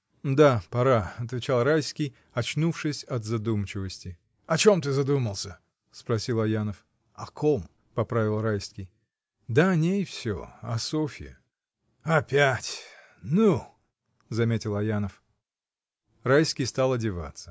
— Да, пора, — отвечал Райский, очнувшись от задумчивости. — О чем ты задумался? — спросил Аянов. — О ком? — поправил Райский. — Да о ней всё. о Софье. — Опять! Ну! — заметил Аянов. Райский стал одеваться.